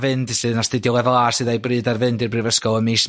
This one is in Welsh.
fynd sydd yn astudio lefel A sydd a'u bryd ar fynd i'r brifysgol ym mis